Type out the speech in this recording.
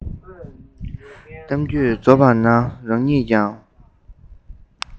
གཏམ རྒྱུད རྫོགས པ ན རང ཉིད ཀྱང